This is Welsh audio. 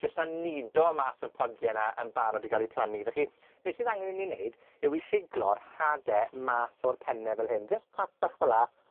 jyst a nido mas o'r podie 'na yn barod i ga'l 'u plannu. Felly, be' sydd angen i ni neud yw i siglo'r hade mas o'r penne fel hyn. Jys tap bach fela,